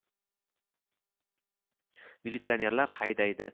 militsionerlar haydaydi